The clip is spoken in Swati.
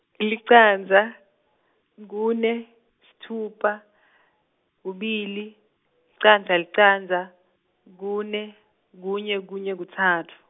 licandza, kune, sitfupha, kubili, licandza licandza, kune, kunye kunye kutsatfu.